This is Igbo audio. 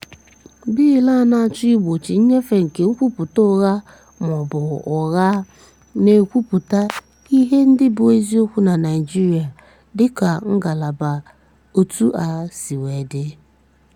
Bịịlụ a na-achọ "[igbochi] nnyefe nke nkwupụta ụgha ma ọ bụ ụgha na nkwupụta ihe ndị bụ eziokwu na Naịjirịa", dị ka Ngalaba 1a si dị.